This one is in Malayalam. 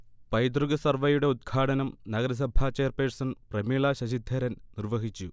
പൈതൃക സർവേയുടെ ഉദ്ഘാടനം നഗരസഭാചെയർപേഴ്സൺ പ്രമീള ശശിധരൻ നിർവഹിച്ചു